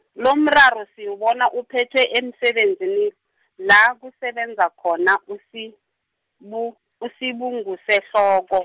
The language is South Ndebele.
lomraro siwubona uphethwe emsebenzini, la kusebenza khona uSibu- uSibungusehloko.